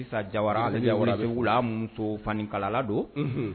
Sitan Jayara ale bɛ Welesebugu la, an b'a fo fanikalala don